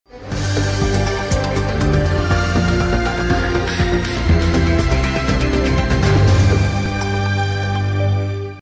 San